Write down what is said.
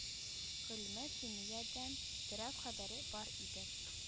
Гыйльме симиядән бераз хәбәре бар иде